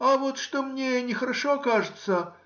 а вот что мне нехорошо кажется